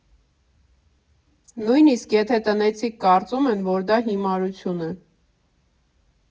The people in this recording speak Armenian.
Նույնիսկ եթե տնեցիք կարծում են, որ դա հիմարություն է։